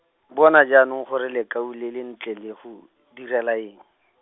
bona jaanong gore lekau le lentle le go, dirile eng .